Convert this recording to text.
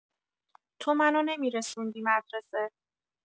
تو منو نمی‌رسوندی مدرسه.